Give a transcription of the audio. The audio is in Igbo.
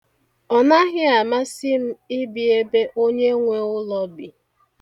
Ọnaghị amasị m ibi ebe onyenwe ụlọ bi.